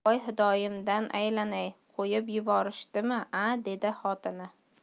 voy xudoyimdan aylanay qo'yib yuborishdimi a deydi xotin